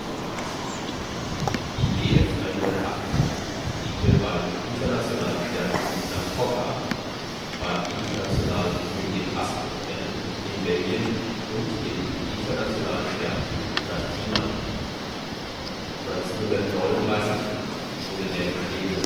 1938: Die Bf 108 siegte beim internationalen Sternflug nach Hoggar, beim internationalen Königin-Astrid-Rennen in Belgien und im internationalen Sternflug nach Dinard. 1939 wurde der bestehende